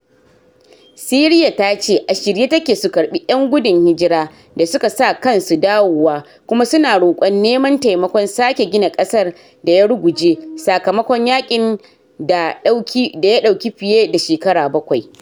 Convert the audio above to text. Siriya tace ashirye take su karbi yan gudun hijira da suka sa kansu dawowa kuma su na rokon neman taimakon sake gina kasar da ya ruguje sakamakon yakin da dauki fiye da shekara bakwai.